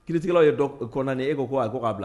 Kiiritigɛlaw ye kɔnɔna e ko a k'a bila